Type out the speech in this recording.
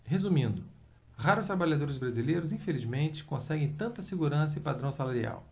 resumindo raros trabalhadores brasileiros infelizmente conseguem tanta segurança e padrão salarial